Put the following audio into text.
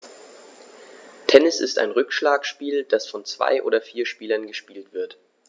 Tennis ist ein Rückschlagspiel, das von zwei oder vier Spielern gespielt wird.